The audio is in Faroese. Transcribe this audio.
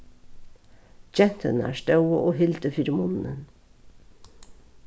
genturnar stóðu og hildu fyri munnin